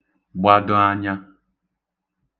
gbādō ānyā